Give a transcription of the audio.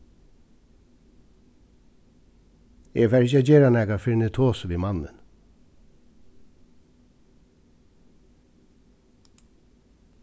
eg fari ikki at gera nakað fyrr enn eg tosi við mannin